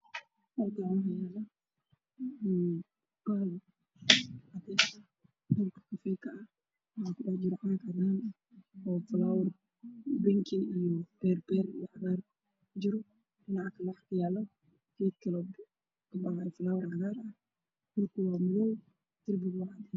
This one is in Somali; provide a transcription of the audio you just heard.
Meshan waa iiga muuqda ubax gaduud ah darbiga waa cadaan